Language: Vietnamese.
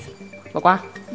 bỏ qua